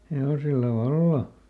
hevosilla vallan